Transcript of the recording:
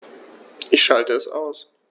Ich schalte es aus.